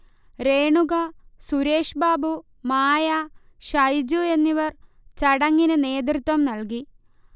രേണുക, സുരേഷ്ബാബു, മായ, ഷൈജു എന്നിവർ ചടങ്ങിന് നേതൃത്വം നൽകി